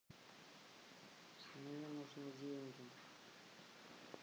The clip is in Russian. мне нужны деньги